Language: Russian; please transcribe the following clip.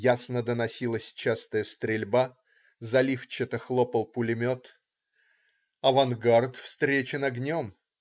Ясно доносилась частая стрельба, заливчато хлопал пулемет. Авангард - встречен огнем.